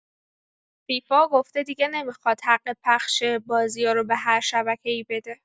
فیفا گفته دیگه نمی‌خواد حق پخش بازیارو به هر شبکه‌ای بده.